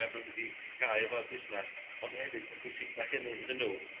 be' ma nw mynd i gael efo busnes, ond hefyd yn bwysicach na 'ny iddyn nw,